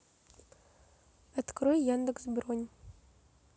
открой яндекс бронь